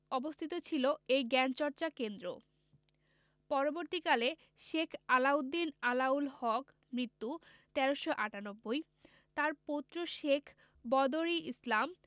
অবস্থিত ছিল এই জ্ঞানচর্চা কেন্দ্র পরবর্তীকালে শেখ আলাউদ্দিন আলাউল হক মৃত্যু ১৩৯৮ তাঁর পৌত্র শেখ বদর ই ইসলাম